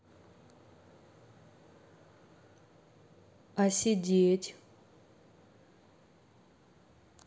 а сидеть